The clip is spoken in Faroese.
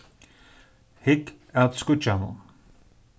hygg at skíggjanum